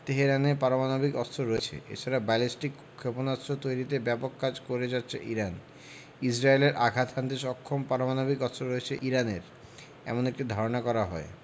তেহরানের পারমাণবিক অস্ত্র রয়েছে এ ছাড়া ব্যালিস্টিক ক্ষেপণাস্ত্র তৈরিতে ব্যাপক কাজ করে যাচ্ছে ইরান ইসরায়েলে আঘাত হানতে সক্ষম পারমাণবিক অস্ত্র রয়েছে ইরানের এমন একটি ধারণা করা হয়